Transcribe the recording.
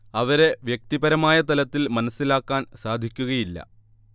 അവരെ വ്യക്തിപരമായ തലത്തിൽ മനസ്സിലാക്കാൻ സാധിക്കുകയില്ല